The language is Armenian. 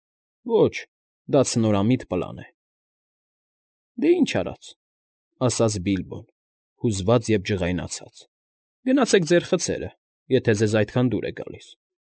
Ոչ, դա ցնորամիտ պլան է։ ֊ Դե ինչ արած,֊ ասաց Բիլբոն, հուզված և ջղայնացած,֊ գնացեք ձեր խցերը, եթե ձեզ այդքան դուր է գալիս։